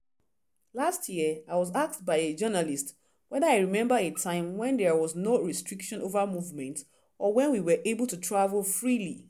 Last year, I was asked by a journalist whether I remember a time when there were no restriction over movement or when we were able to travel freely.